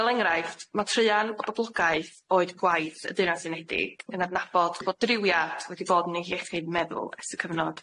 Fel enghraifft ma' treuan boblogaeth oed gwaith y Deyrnas Unedig yn adnabod fod driwiad wedi bod yn ei hiechyd meddwl ers y cyfnod.